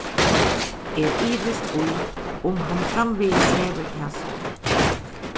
eg ivist í um hann framvegis hevur tað so